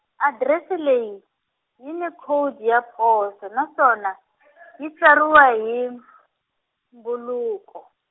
adirese leyi, yi ni khodi ya poso naswona, yi tsariwa hi , mbhuluko.